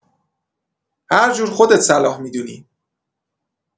هر جور خودت صلاح می‌دونی.